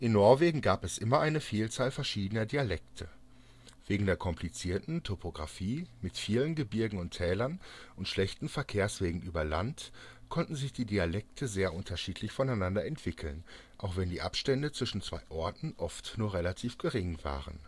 Norwegen gab es immer eine Vielzahl verschiedener Dialekte. Wegen der komplizierten Topographie mit vielen Gebirgen und Tälern und schlechten Verkehrswegen über Land konnten sich die Dialekte sehr unterschiedlich voneinander entwickeln, auch wenn die Abstände zwischen zwei Orten oft nur relativ gering waren